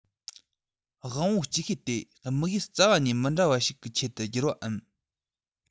དབང པོ ཅིག ཤོས དེ དམིགས ཡུལ རྩ བ ནས མི འདྲ བ ཞིག གི ཆེད དུ བསྒྱུར པའམ